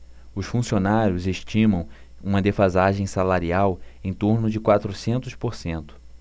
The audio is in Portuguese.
os funcionários estimam uma defasagem salarial em torno de quatrocentos por cento